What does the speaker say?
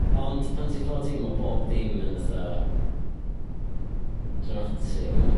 Ond pan ti'm fourteen ma' bob dim yn fatha, dramatic yndi?